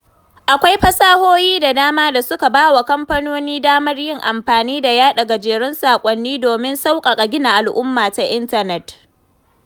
Akwai fasahohi da dama da suka ba wa kamfanoni damar yin amfani da yaɗa gajerun saƙonni domin sauƙaƙa gina al'umma ta intanet.